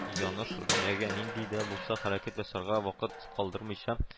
Яныш, Румиягә нинди дә булса хәрәкәт ясарга вахыт калдырмыйча